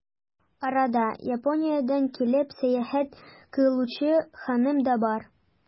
Арада, Япониядән килеп, сәяхәт кылучы ханым да бар.